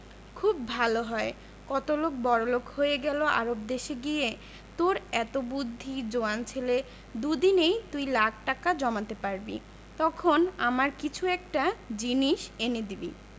খুব ভালো হয় কত লোক বড়লোক হয়ে গেল আরব দেশে গিয়ে তোর এত বুদ্ধি জোয়ান ছেলে দুদিনেই তুই লাখ টাকা জমাতে পারবি তখন আমার কিছু একটা জিনিস এনে দিবি